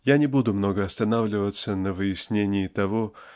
Я не буду много останавливаться на выяснении того